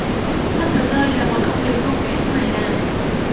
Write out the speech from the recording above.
phát tờ rơi là một công việc không kén người làm